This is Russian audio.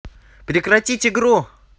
прекратить игру